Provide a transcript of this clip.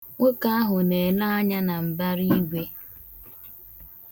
Nwoke ahu na-ele anya na mbaraigwe.